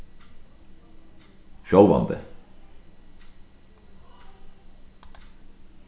sjálvandi